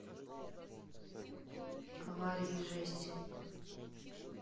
аварии жесть